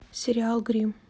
сериал гримм